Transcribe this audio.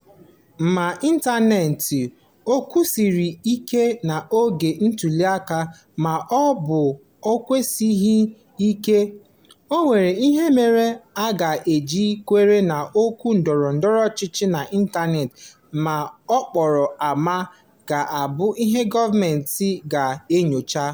Ma ịntaneetị ọ kwụsiri ike n'oge ntụliaka ma ọ bụ na ọ kwụsịghị ike, e nwere ihe mere a ga-eji kwere na okwu ndọrọ ndọrọ ọchịchị n'ịntaneetị ma n'okporo ámá ga-abụ ihe gọọmentị ga-enyocha.